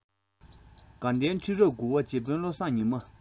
དགའ ལྡན ཁྲི རབས དགུ བ རྗེ དཔོན བློ བཟང ཉི མ